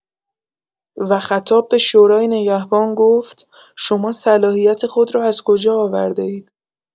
و خطاب به شورای نگهبان گفت: «شما صلاحیت خود را از کجا آورده‌اید؟